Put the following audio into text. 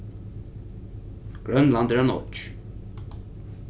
grønland er ein oyggj